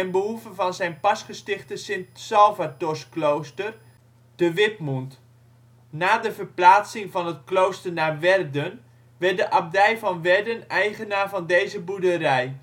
behoeve van zijn pas gestichte Sint-Salvatorsklooster te Withmund. Na de verplaatsing van het klooster naar Werden werd de abdij van Werden eigenaar van deze boerderij